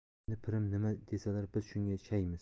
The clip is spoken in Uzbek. endi pirim nima desalar biz shunga shaymiz